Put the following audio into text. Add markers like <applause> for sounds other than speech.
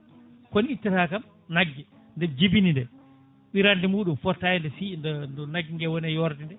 kono ittata kam naggue nde jibini nde ɓirande muɗum fotata e nde <hesitation> no naggue gue wone yorde nde